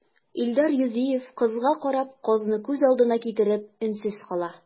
Илдар Юзеев, кызга карап, казны күз алдына китереп, өнсез кала.